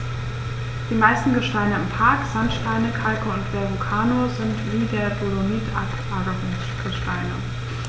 Die meisten Gesteine im Park – Sandsteine, Kalke und Verrucano – sind wie der Dolomit Ablagerungsgesteine.